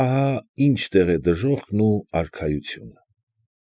Ահա՛ ինչ տեղ է դժոխքն ու արքայությունը։